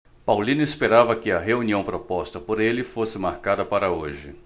paulino esperava que a reunião proposta por ele fosse marcada para hoje